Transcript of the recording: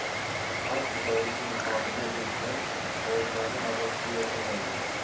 xalq fidoyisi niqobida yashovchilar hayotlarini azobda yakunlaydilar